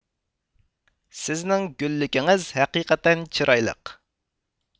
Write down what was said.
سىزنىڭ گۈللۈكىڭىز ھەقىقەتەن چىرايلىق